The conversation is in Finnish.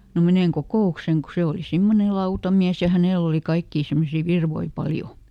no menen kokoukseen kun se oli semmoinen lautamies ja hänellä oli kaikkia semmoisia virkoja paljon